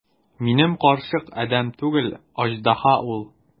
Минем карчык адәм түгел, аждаһа ул!